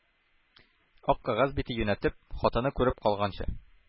Ак кәгазь бите юнәтеп, хатыны күреп калганчы,